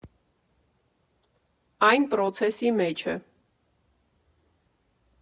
Այն պրոցեսի մեջ է։